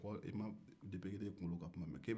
i ma yefegeden kunkolo ka kuma mɛn